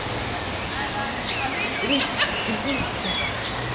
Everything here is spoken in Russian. ойся ты ойся